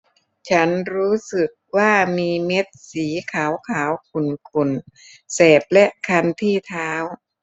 ฉันรู้สึกว่ามีเม็ดสีขาวขาวขุ่นขุ่นแสบและคันที่เท้า